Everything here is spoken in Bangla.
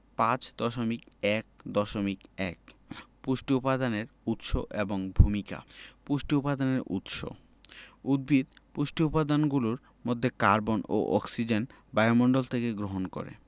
৫.১.১ পুষ্টি উপাদানের উৎস এবং ভূমিকা পুষ্টি উপাদানের উৎস উদ্ভিদ পুষ্টি উপাদানগুলোর মধ্যে কার্বন এবং অক্সিজেন বায়ুমণ্ডল থেকে গ্রহণ করে